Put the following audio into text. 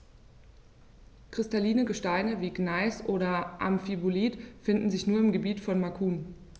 Kristalline Gesteine wie Gneis oder Amphibolit finden sich nur im Gebiet von Macun.